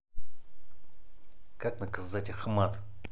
как наказать ахмат